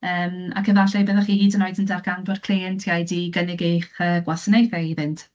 Yym, ac efallai byddwch chi hyd yn oed yn darganfod cleientiaid i gynnig eich, yy, gwasanaethau iddynt.